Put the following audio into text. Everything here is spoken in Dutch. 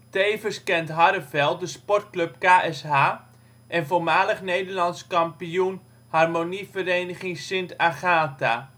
Tevens kent Harreveld de sportclub KSH en voormalig Nederlands kampioen Harmonievereniging St. Agatha